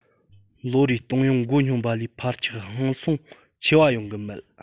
ལོ རེའི གཏོང ཡོང འགོ སྙོམས པ ལས འཕར ཆག ཧང སོང ཆེ བ ཡོང གི མེད